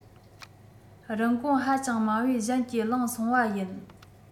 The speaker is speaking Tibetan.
རིན གོང ཧ ཅང དམའ བོས གཞན གྱིས བླངས སོང བ ཡིན